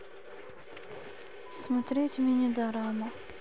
смотреть мини дорама